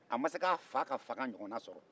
a ma se ka a fa ka fanga ɲɔgɔnna sɔrɔ